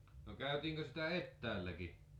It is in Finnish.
no käytiinkö sitä etäälläkin